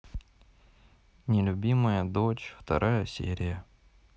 нелюбимая дочь вторая серия